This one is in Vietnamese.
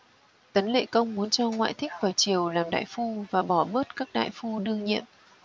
tấn lệ công muốn cho ngoại thích vào triều làm đại phu và bỏ bớt các đại phu đương nhiệm